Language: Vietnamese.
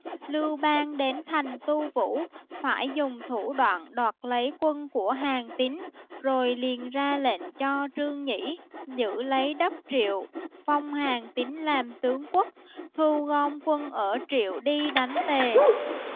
lưu bang đến thành tu vũ phải dùng thủ đoạn đoạt lấy quân của hàn tín rồi liền ra lệnh cho trương nhĩ giữ lấy đất triệu phong hàn tín làm tướng quốc thu gom quân ở triệu đi đánh tề